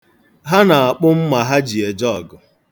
Ha na-akpụ mma ha ji eje ọgụ.